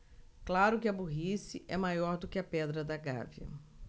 claro que a burrice é maior do que a pedra da gávea